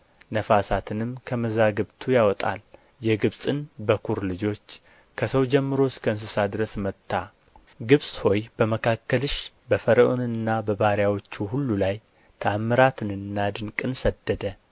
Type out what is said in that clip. ነፋሳትንም ከመዛግብቱ ያወጣል የግብጽን በኵር ልጆች ከሰው ጀምሮ እስከ እንስሳ ድረስ መታ ግብጽ ሆይ በመካከልሽ በፈርዖንና በባሪያዎቹ ሁሉ ላይ ተኣምራትንና ድንቅን ሰደደ